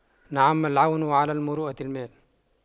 نعم العون على المروءة المال